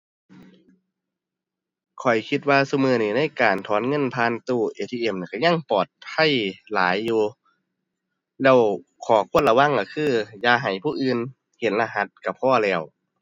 ข้อยคิดว่าซุมื้อนี้ในการถอนเงินผ่านตู้ ATM น่ะ ก็ยังปลอดภัยหลายอยู่ แล้วข้อควรระวังก็คืออย่าให้ผู้อื่นเห็นรหัสก็พอแล้ว